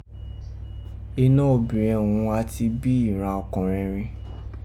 Inọ́ obìrẹn òghun a ti bi iran ọkọ̀nrẹn rin.